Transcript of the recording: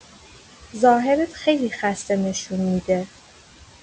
ظاهرت خیلی خسته نشون می‌ده.